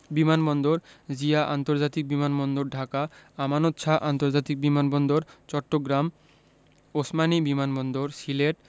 বিমান বন্দরঃ জিয়া আন্তর্জাতিক বিমান বন্দর ঢাকা আমানত শাহ্ আন্তর্জাতিক বিমান বন্দর চট্টগ্রাম ওসমানী বিমান বন্দর সিলেট